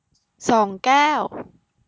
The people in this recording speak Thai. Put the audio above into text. สองแก้ว